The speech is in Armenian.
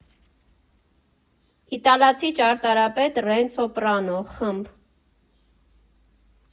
Իտալացի ճարտարապետ Ռենցո Պիանո ֊ խմբ.